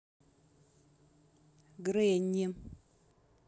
granny